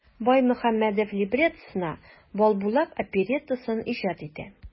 Баймөхәммәдев либреттосына "Балбулак" опереттасын иҗат итә.